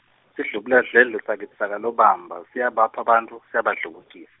Sidlubuladledle sakitsi sakaLobamba, siyabapha bantfu siyabadlubutis-.